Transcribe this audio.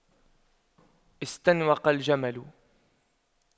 استنوق الجمل